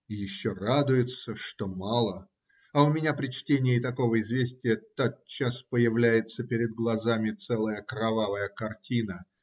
И еще радуется, что мало, а у меня при чтении такого известия тотчас появляется перед глазами целая кровавая картина.